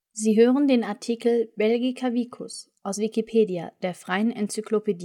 Sie hören den Artikel Belgica vicus, aus Wikipedia, der freien Enzyklopädie